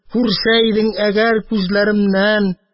Күрсә идең әгәр күзләремнән